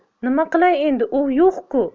nima qilay endi u yo'q ku